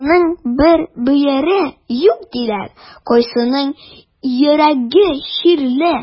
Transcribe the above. Кайсының бер бөере юк диләр, кайсының йөрәге чирле.